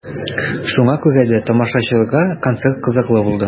Шуңа күрә дә тамашачыга концерт кызыклы булды.